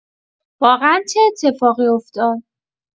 واقعا چه اتفاقی افتاد؟